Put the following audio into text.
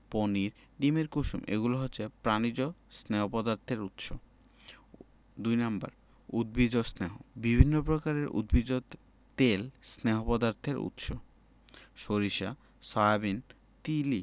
পনির ডিমের কুসুম এগুলো হচ্ছে প্রাণিজ স্নেহ পদার্থের উৎস ২. উদ্ভিজ্জ স্নেহ বিভিন্ন প্রকারের উদ্ভিজ তেল স্নেহ পদার্থের উৎস সরিষা সয়াবিন তিল